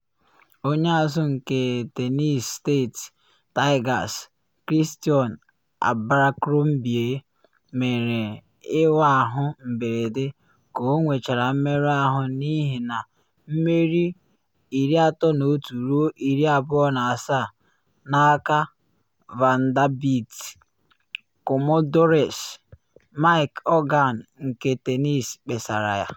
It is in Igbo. Onye azụ nke Tennessee State Tigers Christion Abercrombie mere ịwa ahụ mberede ka ọ nwechara mmerụ ahụ n’ihi na mmeri 31-27 n’aka Vanderbilt Commodores, Mike Organ nke Tennessee kpesara.